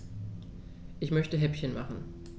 Ich möchte Häppchen machen.